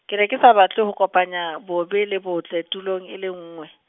ke ne ke sa batle ho kopanya bobe le botle tulong e le nngwe.